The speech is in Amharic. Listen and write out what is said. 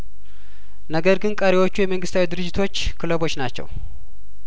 ነገር ግን ቀሪዎቹ የመንግስታዊ ድርጅቶች ክለቦች ናቸው